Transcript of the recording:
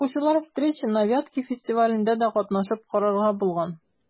Укучылар «Встречи на Вятке» фестивалендә дә катнашып карарга булган.